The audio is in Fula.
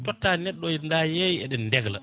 totta neɗɗo o da yeey eɗen degla